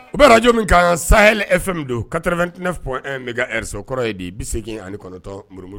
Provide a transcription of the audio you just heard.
U bɛj ka sayefɛ min don katɛre2inɛ fɔ bɛ ka riskɔrɔ ye de bi seginegin ani kɔnɔntɔn muru